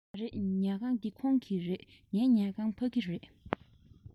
མ རེད ཉལ ཁང འདི ཁོང གི རེད ངའི ཉལ ཁང ཕ གི རེད